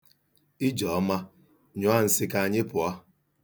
Ijeoma, nyụọ nsị ka anyị pụọ.